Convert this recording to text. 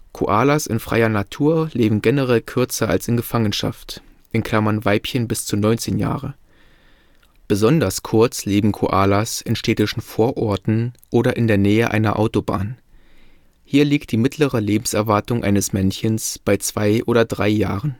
Koalas in freier Natur leben generell kürzer als in Gefangenschaft (Weibchen bis 19 Jahre). Besonders kurz leben Koalas in städtischen Vororten oder in der Nähe einer Autobahn. Hier liegt die mittlere Lebenserwartung eines Männchens bei zwei oder drei Jahren